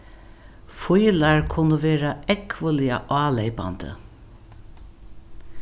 fílar kunnu vera ógvuliga áleypandi